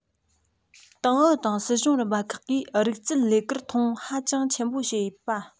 ཏང ཨུ དང སྲིད གཞུང རིམ པ ཁག གིས རིག རྩལ ལས ཀར མཐོང ཧ ཅང ཆེན པོ བྱེད པ